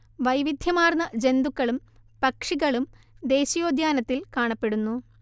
വൈവിധ്യമാർന്ന ജന്തുക്കളും പക്ഷികളും ദേശീയോദ്യാനത്തിൽ കാണപ്പെടുന്നു